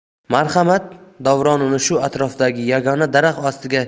marhamat davron uni shu atrofdagi yagona daraxt